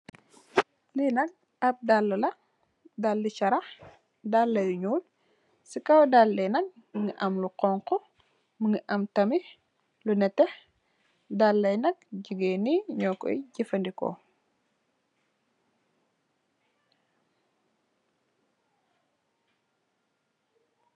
Lee nak ab dalle la dalle charah dalle yu nuul se kaw dalla ye nak muge am lu xonxo muge am tamin lu neteh dalla ye nak jegain ye nukoy jefaneku.